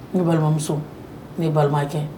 N ye balimamuso ne ye balima kɛ